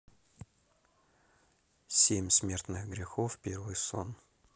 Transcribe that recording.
семь смертных грехов первый сезон